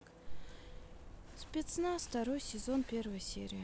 спецназ второй сезон первая серия